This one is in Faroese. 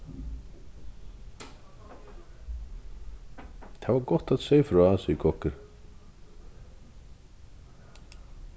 tað var gott at tú segði frá sigur kokkurin